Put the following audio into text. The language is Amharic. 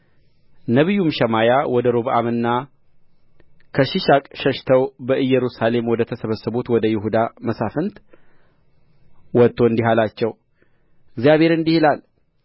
ነበዩም ሸማያ ወደ ሮብዓምና ከሺሻቅ ሸሽተው በኢየሩሳሌም ወደ ተሰበሰቡባት ወደ ይሁዳ መሳፍንት መጥቶ እንዲህ አላቸው እግዚአብሔር እንዲህ ይላል